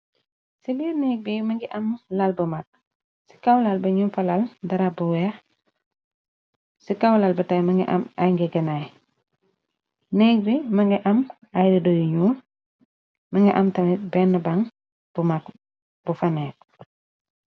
Ci biir nèk bi mu ngi am lal bu mak ci kaw lal bi ñung fa lal darab bu wèèx ci kaw lal ba tamit mu nga am ay ngegenai nék bi mu ngi am ay redo yu ñuul mu ngi am tamit benna baŋ bu mak bu fa nèkka.